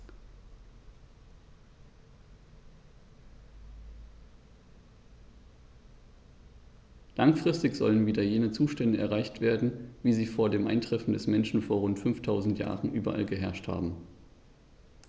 Langfristig sollen wieder jene Zustände erreicht werden, wie sie vor dem Eintreffen des Menschen vor rund 5000 Jahren überall geherrscht haben.